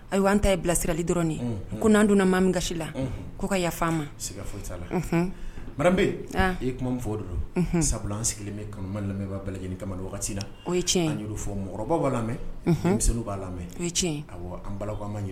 Ayiwa anan ta ye bilasirali dɔrɔn ko'an donna maa min kasisi la' ka yafa ma siga foyi labe i ye kuma min fɔ de sabula an sigilen bɛ kama lamɛnba bɛɛ lajɛlen kama la o ye tiɲɛ fɔ mɔgɔ b'a lamɛnmisɛn b'a la o ye tiɲɛ an bala ma ɲini